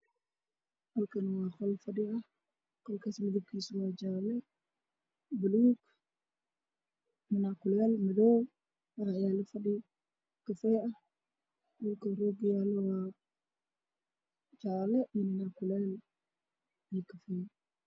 Ah meeshaan waa qol waxaa yaalla fadhi midabkiisa yahay madow iyo miis darbiga waa caddaan waxaana ku dhegantii madow ah